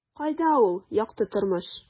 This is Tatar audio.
Кайда ул - якты тормыш? ..